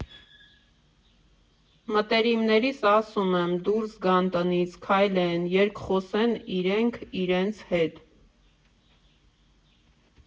Մտերիմներիս ասում եմ՝ դուրս գան տնից, քայլեն, երկխոսեն իրենք իրենց հետ։